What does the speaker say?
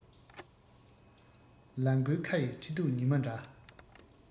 ལ མགོའི ཁ ཡི ཁྲི གདུགས ཉི མ འདྲ